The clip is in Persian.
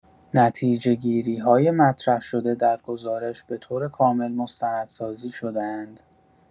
نتیجه‌گیری‌های مطرح‌شده در گزارش به‌طور کامل مستندسازی شده‌اند.